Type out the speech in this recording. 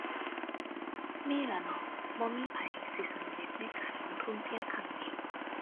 มีล่ะเนาะ บ่มีไผสิสำเร็จในการลงทุนเพียงครั้งเดียว